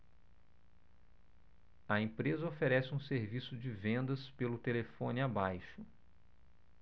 a empresa oferece um serviço de vendas pelo telefone abaixo